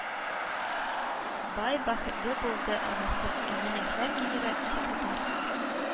Бай, бәхетле булды анысы, ә менә һәр генераль секретарь,